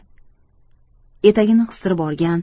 etagini qistirib olgan